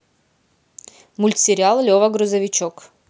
мультсериал лева грузовичок